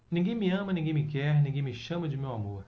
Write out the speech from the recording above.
ninguém me ama ninguém me quer ninguém me chama de meu amor